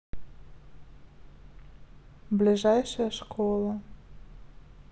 ближайшая школа